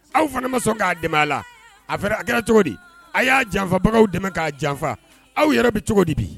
Aw fana ma sɔn k'a dɛmɛbaya a la a fɛ a kɛra cogo di a y'a janfabagaw dɛmɛ k'a janfa aw yɛrɛ bɛ cogo di bi